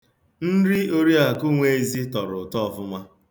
Nri Oriakụ Nwezi tọrọ ụtọ ọfụma.